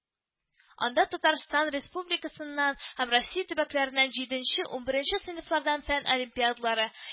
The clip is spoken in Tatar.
Анда Татарстан Республикасыннан һәм Россия төбәкләреннән жиденче - унберенче сыйныфлардан фән олимпиадалары